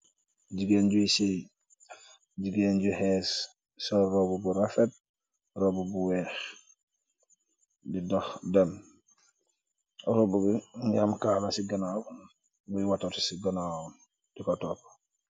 Jigéen juy seyi, jigéen ju xees sol rob bu rafet, rob bu weex di dox dem, robu bi mingi am kaala ci ganaaw bi watato ci ganaaw diko toppu.